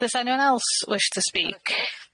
Does anyone else wish to speak?